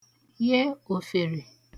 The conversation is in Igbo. ye òfèrè